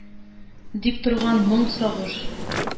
Дип торган моң, сагыш.